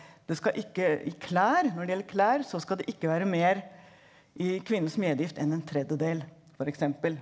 det skal ikke i klær når det gjelder klær så skal det ikke være mer i kvinnens medgift enn en tredjedel for eksempel.